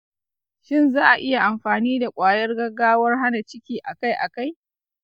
shin za a iya amfani da kwayar gaggawar hana ciki a kai-a kai ?